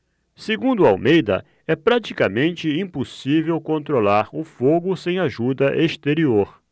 segundo almeida é praticamente impossível controlar o fogo sem ajuda exterior